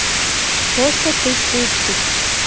просто ты пупсик